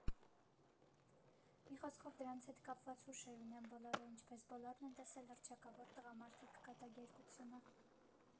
Մի խոսքով, դրանց հետ կապված հուշեր ունեն բոլորը (ինչպես բոլորն են տեսել հռչակավոր «Տղամարդիկ» կատակերգությունը)։